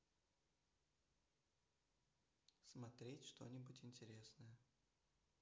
смотреть что нибудь интересное